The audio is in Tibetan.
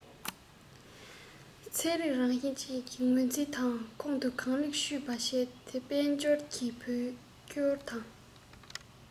ཚན རིག རང བཞིན བཅས ངོས འཛིན དང ཁོང དུ གང ལེགས ཆུད པ བྱས ཏེ དཔལ འབྱོར གྱི བོད སྐྱོར དང